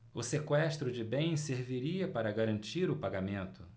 o sequestro de bens serviria para garantir o pagamento